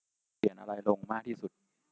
เหรียญอะไรลงมากที่สุด